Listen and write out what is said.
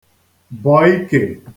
bọ ikè